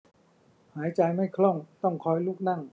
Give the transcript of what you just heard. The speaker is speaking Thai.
หายใจไม่คล่องต้องคอยลุกนั่ง